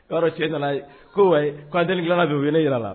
Cɛ nana ye ko k' delieli tila bɛ wele jira la